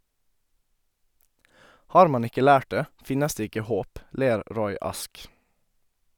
Har man ikke lært det, finnes det ikke håp, ler Roy Ask.